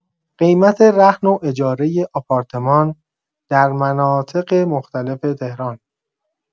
قیمت رهن و اجاره آپارتمان در مناطق مختلف تهران